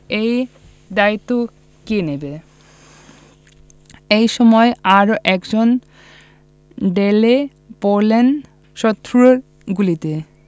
এ দায়িত্ব কে নেবে এ সময় আরও একজন ঢলে পড়লেন শত্রুর গুলিতে